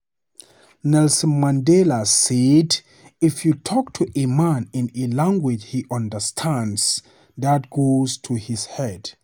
Nelson Mandela said: "If you talk to a man in a language he understands, that goes to his head.